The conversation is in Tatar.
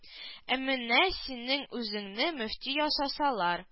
Ә менә синең үзеңне мөфти ясасалар